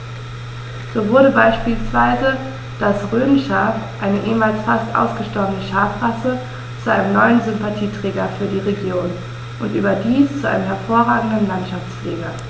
So wurde beispielsweise das Rhönschaf, eine ehemals fast ausgestorbene Schafrasse, zu einem neuen Sympathieträger für die Region – und überdies zu einem hervorragenden Landschaftspfleger.